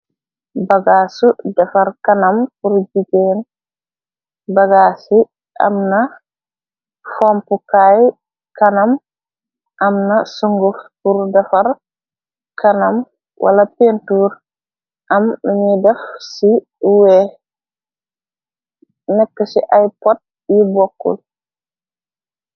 Bagaasu defar kanam bur jigéen, bagaas yi am na fompukaay kanam, amna sunguf bur defar kanam, wala pentur, am lanuy def ci wee, nekk ci ay pot yi bokkul.